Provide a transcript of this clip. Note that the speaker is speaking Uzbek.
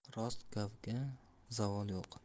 rost gapga zavol yo'q